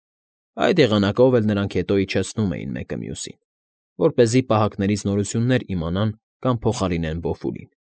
Այդ եղանակով էլ նրանք հետո իջեցնում էին մեկը մյուսին, որպեսզի պահակներից նորություններ իմանան կամ փոխարինեն Բոֆուրին։